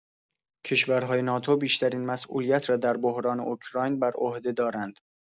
کشورهای ناتو بیشترین مسئولیت را در بحران اوکراین بر عهده دارند.